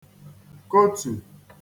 kotù